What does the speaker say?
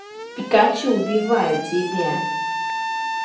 пикачу убиваю тебя